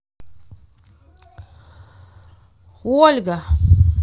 olga